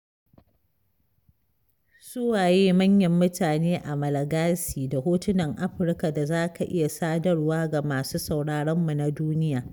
Su waye manyan mutane a Malagasy da Hotunan Afirka da za ka iya sadarwa ga masu sauraronmu na duniya?